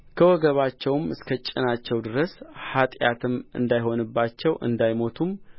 ከወገባቸውም እስከ ጭናቸው ይደርሳል ኃጢአትም እንዳይሆንባቸው እንዳይሞቱም